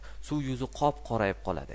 suv yuzi qop qorayib qoladi